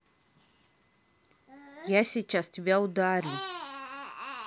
я сейчас тебя ударю